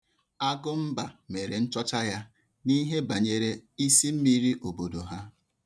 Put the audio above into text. Agụmba mere nchọcha ya n'ihe banyere isimmiri obodo ha.